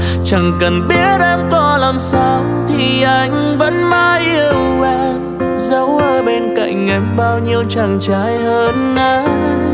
chẳng cần biết em có làm sao thì anh vẫn mãi yêu em dẫu ở bên cạnh em bao nhiêu chàng trai hơn anh